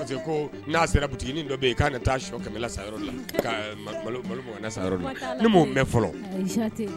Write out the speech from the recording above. Parce que ko n'a sera butikinin dɔ bɛ yen k'a na taa sɔ 500 la san yɔrɔ dɔ la ka malo 100 na san yɔrɔ dɔ ne ma o mɔn ba.